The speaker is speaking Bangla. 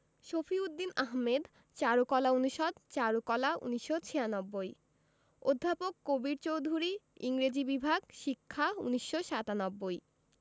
শফিউদ্দীন আহমেদ চারুকলা অনুষদ চারুকলা ১৯৯৬ অধ্যাপক কবীর চৌধুরী ইংরেজি বিভাগ শিক্ষা ১৯৯৭